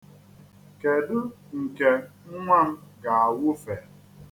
Kedụ nke nnwa m ga-awụfe?